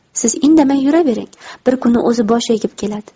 siz indamay yuravering bir kuni o'zi bosh egib keladi